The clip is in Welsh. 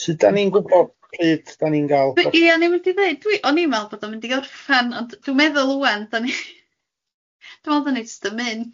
Sud da ni'n gwbo pryd dan ni'n gael d-... Ie o'n i'n mynd i ddweud dwi o'n i'n meddwl bod o'n mynd i orffen ond dwi'n meddwl ŵan da ni, dwi'n meddwl da ni jyst yn mynd.